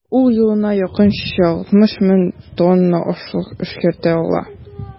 Ул елына якынча 60 мең тонна ашлык эшкәртә ала.